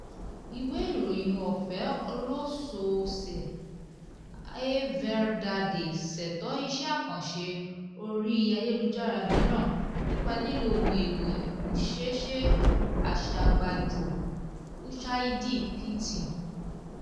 Ìwé ìròyìn ọ̀fẹ́ ọlọ́sọ̀ọ̀sẹ̀ A Verdade ṣètò iṣẹ́ àkànṣe orí ayélujára mìíràn, nípa lílo ohun èlò ìmúṣẹ́ṣe aṣàgbàjọ Ushaidi [pt].